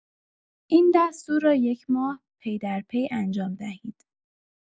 این دستور را یک ماه پی در پی انجام دهید.